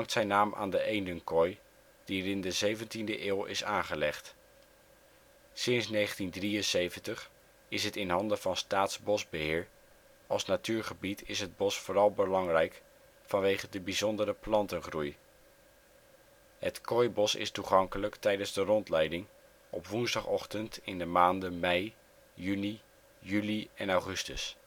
zijn naam aan de eendenkooi, die er in de 17e eeuw is aangelegd. Sinds 1973 is het in handen van Staatsbosbeheer, als natuurgebied is het bos het vooral belangrijk vanwege de bijzondere plantengroei. Het Kooibos is toegankelijk tijdens de rondleiding op woensdagochtend in de maanden mei, juni, juli en augustus